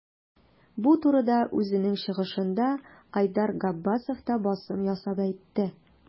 Бу турыда үзенең чыгышында Айдар Габбасов та басым ясап әйтте.